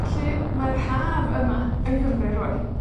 Felly, mae'r Haf yma yng Nghymru rŵan.